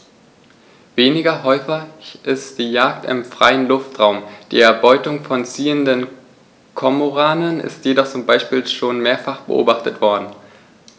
Weniger häufig ist die Jagd im freien Luftraum; die Erbeutung von ziehenden Kormoranen ist jedoch zum Beispiel schon mehrfach beobachtet worden.